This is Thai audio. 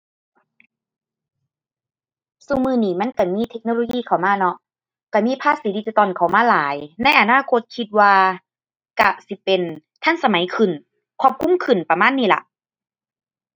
ซุมื้อนี้มันก็มีเทคโนโลยีเข้ามาเนาะ ก็มีภาษีดิจิทัลเข้ามาหลาย ในอนาคตคิดว่าก็สิเป็นทันสมัยขึ้น ครอบคลุมขึ้นประมาณนี้ล่ะ